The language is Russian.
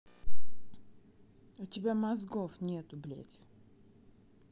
у тебя мозгов нету блядь